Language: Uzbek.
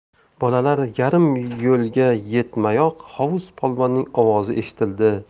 bolalar yarim yo'lga yetmayoq hovuz polvonning ovozi eshitildi